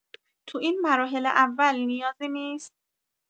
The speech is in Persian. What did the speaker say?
تو این مراحل اول نیازی نیست؟